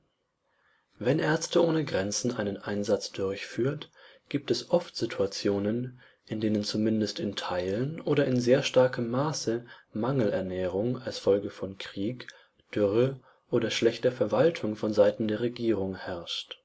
Wenn Ärzte ohne Grenzen einen Einsatz durchführt, gibt es oft Situationen, in denen zumindest in Teilen oder sogar in sehr starkem Maße Mangelernährung als Folge von Krieg, Dürre oder schlechter Verwaltung von Seiten der Regierung herrscht